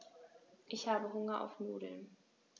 Ich habe Hunger auf Nudeln.